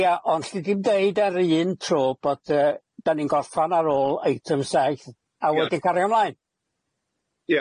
Ia ond 'lli di'm deud ar yr un tro bod yy 'dan ni'n gorffan ar ôl eitem saith a wedyn cario mlaen.